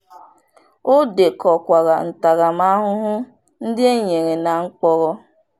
O dekọkwara ntarama ahụhụ ndị e nyere na mkpọrọ.